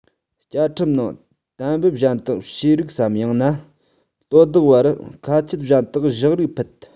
བཅའ ཁྲིམས ནང གཏན འབེབས གཞན དག བྱས རིགས སམ ཡང ན དོ བདག བར ཁ ཆད གཞན དག བཞག རིགས ཕུད